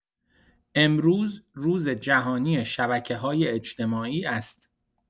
امروز روز جهانی شبکه‌های اجتماعی است.